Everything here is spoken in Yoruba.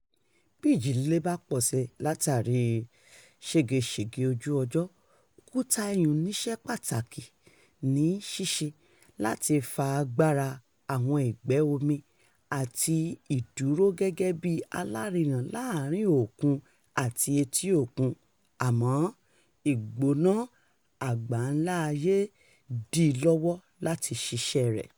Bí ìjì líle bá ń pọ̀ sí i látàrí ségesège ojú-ọjọ́, òkúta iyùn-ún níṣẹ́ pàtàkì ní ṣíṣe láti fa agbára àwọn ìgbé omi àti ìdúró gẹ́gẹ́ bí alárinà láàárín òkun àti etí òkun — àmọ́ ìgbóná àgbáńlá ayé ń dí i lọ́wọ́ láti ṣiṣẹ́ẹ rẹ̀.